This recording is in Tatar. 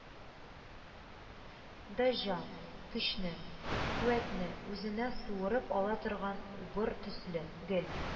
Дәҗҗал, көчне, куәтне үзенә суырып ала торган убыр төсле, гел